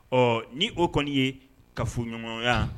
Ɔ ni o kɔni ye ka fɔ ɲɔgɔnya